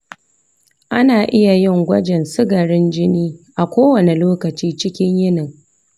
ana iya yin gwajin sukarin jini a kowane lokaci cikin yinin.